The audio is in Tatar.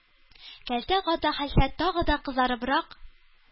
Кәлтә Гата хәлфә тагы да кызарыбрак,